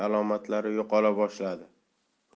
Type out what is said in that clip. alomatlari yo'qola boshladi